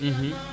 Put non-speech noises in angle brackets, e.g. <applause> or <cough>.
<hesitation> <hesitation>